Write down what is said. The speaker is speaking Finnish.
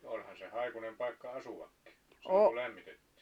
no olihan se haikuinen paikka asuakin silloin kun lämmitettiin